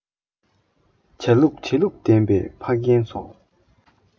བྱ ལུགས བྱེད ལུགས ལྡན པའི ཕ རྒན ཚོ